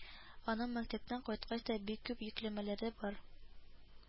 Аның мәктәптән кайткач та бик күп йөкләмәләре бар